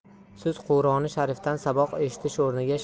siz quroni sharifdan saboq eshitish o'rniga